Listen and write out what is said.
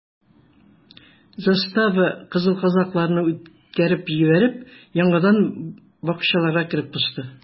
Застава, кызыл казакларны үткәреп җибәреп, яңадан бакчаларга кереп посты.